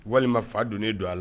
Walima fa don ne don a la